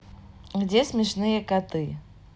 где смешные коты